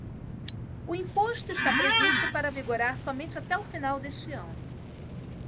o imposto está previsto para vigorar somente até o final deste ano